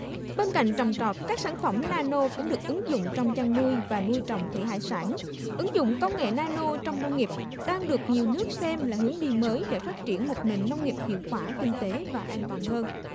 bên cạnh trồng trọt các sản phẩm na nô cũng được ứng dụng trong chăn nuôi và nuôi trồng thủy hải sản ứng dụng công nghệ na nô trong nông nghiệp đang được nhiều nước xem là hướng đi mới để phát triển một nền nông nghiệp hiệu quả kinh tế và an toàn hơn